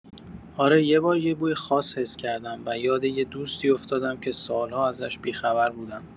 آره، یه بار یه بوی خاص حس کردم و یاد یه دوستی افتادم که سال‌ها ازش بی‌خبر بودم.